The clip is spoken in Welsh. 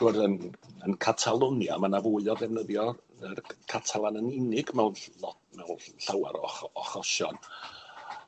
Chimod yn yn Catalonia ma' 'na fwy o ddefnyddio yy Catalan yn unig mewn ll- lot mewn llawar o ch- o chosion.